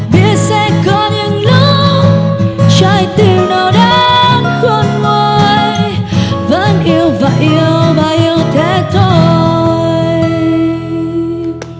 biết sẽ có những lúc trái tim đau đớn khôn nguôi vẫn yêu và yêu và yêu thế thôi